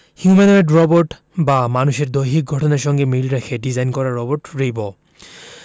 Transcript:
humanoid robot বা মানুষের দৈহিক গঠনের সঙ্গে মিল রেখে ডিজাইন করা রোবট রিবো